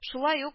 Шулай ук